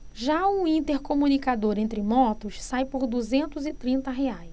já o intercomunicador entre motos sai por duzentos e trinta reais